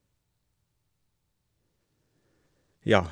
Ja.